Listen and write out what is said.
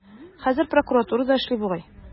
Хәзер прокуратурада эшли бугай.